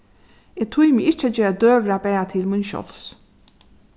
eg tími ikki at gera døgurða bara til mín sjálvs